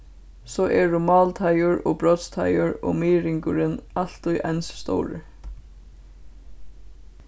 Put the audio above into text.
so eru málteigur og brotsteigur og miðringurin altíð eins stórir